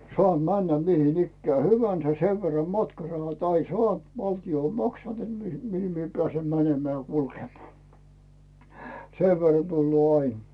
saan mennä mihin ikään hyvänsä sen verran matkarahat aina saanut valtio on maksanut että mihin pääsen menemään ja kulkemaan sen verran tulee aina